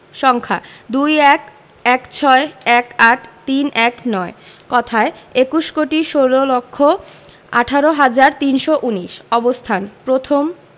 সংখ্যাঃ ২১ ১৬ ১৮ ৩১৯ কথায়ঃ একুশ কোটি ষোল লক্ষ আঠারো হাজার তিনশো উনিশ অবস্থানঃ প্রথম